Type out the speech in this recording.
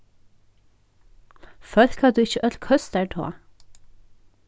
fólk høvdu ikki øll køstar tá